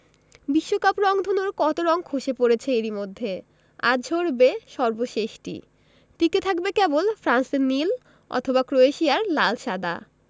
বিশ্বকাপ রংধনুর কত রং খসে পড়েছে এরই মধ্যে আজ ঝরবে সর্বশেষটি টিকে থাকবে কেবল ফ্রান্সের নীল অথবা ক্রোয়েশিয়ার লাল সাদা